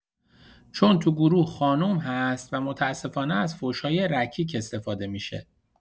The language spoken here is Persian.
چون تو گروه خانم هست و متاسفانه از فحش‌های رکیک استفاده می‌شه